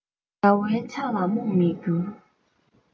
བྱ བའི ཆ ལ རྨོངས མི འགྱུར